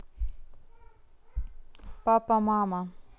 папа мама